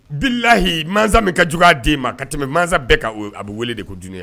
Bilahi masa min ka jugu a den ma ka tɛmɛ masa bɛɛ ka a bɛ wele de ko